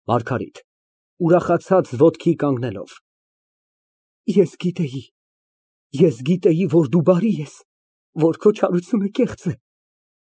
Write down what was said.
ՄԱՐԳԱՐԻՏ ֊ (Ուրախացած ոտքի կանգնելով) Ահ, ես գիտեի, որ դու բարի ես, որ քո չարությունը կեղծ է։